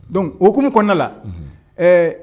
Donc o hokumu knɔna la unhun ɛɛ